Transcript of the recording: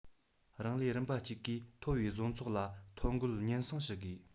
རང ལས རིམ པ གཅིག གིས མཐོ བའི བཟོ ཚོགས ལ ཐོ འགོད སྙན སེང ཞུ དགོས